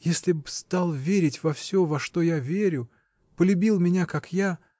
— если б стал верить во всё, во что я верю, полюбил меня, как я.